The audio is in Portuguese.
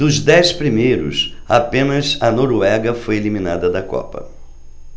dos dez primeiros apenas a noruega foi eliminada da copa